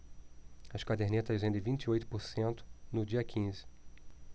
as cadernetas rendem vinte e oito por cento no dia quinze